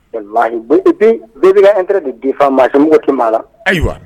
Hi bi n yɛrɛ de difa maamɔgɔ ci ma la